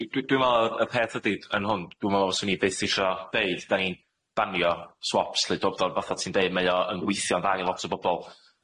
Dwi dwi me'wl y y peth ydi yn hwn dwi me'wl os o'n i byth isio deud da ni'n banio swops lle dw- dw- fatha ti'n deud mae o yn weithio'n dda i lot o bobol,